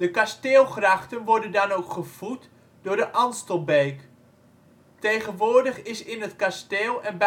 kasteelgrachten worden dan ook gevoed door de Anstelbeek. Tegenwoordig is in het kasteel en